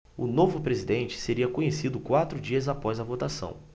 o novo presidente seria conhecido quatro dias após a votação